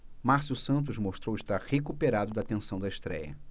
márcio santos mostrou estar recuperado da tensão da estréia